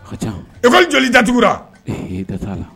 I jɔ da tugura la